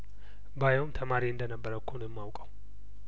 ባየውም ተማሪዬ እንደነበር እኮ ነው የማውቀው